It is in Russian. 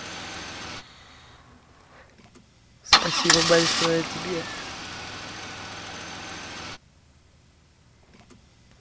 спасибо большое тебе